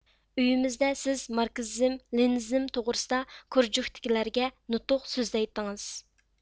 ئۆيىمىزدە سىز ماركسىزم لېنىنىزم توغرىسىدا كۇرژۇكتىكىلەرگە نۇتۇق سۆزلەيتتىڭىز